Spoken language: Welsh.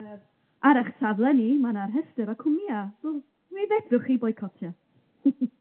Yy ar 'ych safle ni, ma' 'na rhestyr o cwmia mi fedrwch chi boicotio.